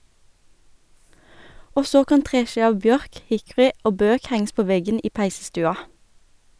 Og så kan treski av bjørk, hickory og bøk henges på veggen i peisestua.